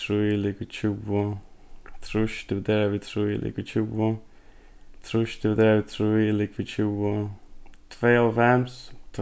trý ligvið tjúgu trýss dividerað við trý er ligvið tjúgu trýss dividerað við trý er ligvið tjúgu tveyoghálvfems